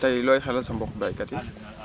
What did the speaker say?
tey looy xelal sa mbokku béykat yi